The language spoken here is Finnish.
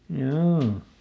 joo